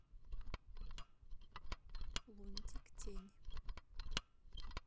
лунтик тень